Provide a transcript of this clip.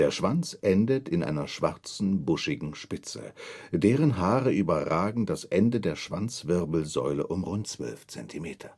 Schwanz endet in einer schwarzen, buschigen Spitze; deren Haare überragen das Ende der Schwanzwirbelsäule um rund 12 Zentimeter